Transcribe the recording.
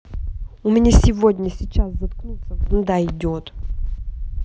у меня сегодня сейчас заткнуться ванда идет